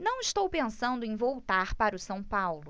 não estou pensando em voltar para o são paulo